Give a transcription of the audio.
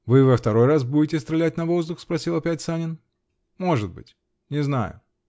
-- Вы и во второй раз будете стрелять на воздух? -- спросил опять Санин .-- Может быть; не знаю.